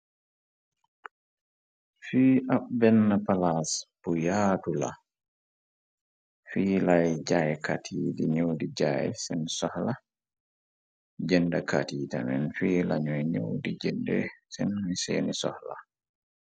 Fi ab benn palaas bu yaatu la fi lay jaaykat yi di ñëw di jaay seen soxla jëndkat yi temen fi lañuy new di jënde seen muy seeni soxla.